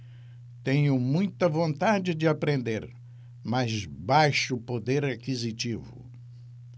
tenho muita vontade de aprender mas baixo poder aquisitivo